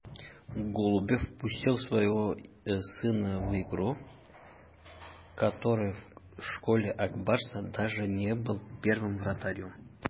Әле Голубев "Ак Барс" мәктәбендә үз яшендәгеләр арасында беренче капкачы булмаган улын да уенга кертте.